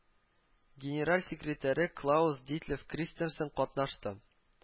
Генераль секретаре клаус дитлев кристинсен катнашты